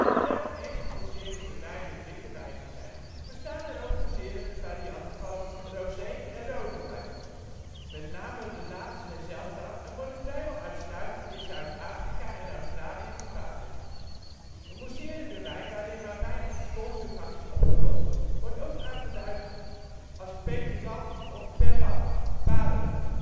Hoewel de meeste mousserende wijnen witte wijnen zijn, bestaan er ook mousserende varianten van rosé wijn en rode wijn. Met name de laatste zijn zeldzaam en worden vrijwel uitsluitend in Zuid-Afrika en Australië vervaardigd. Een mousserende wijn waarin maar weinig koolzuurgas is opgelost, wordt ook aangeduid met pétillant of perlant (parelend